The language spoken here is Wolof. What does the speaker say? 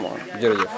jërëjëf Mamadou